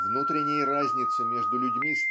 Внутренней разницы между людьми